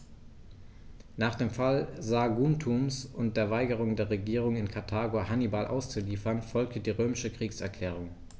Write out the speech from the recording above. Nach dem Fall Saguntums und der Weigerung der Regierung in Karthago, Hannibal auszuliefern, folgte die römische Kriegserklärung.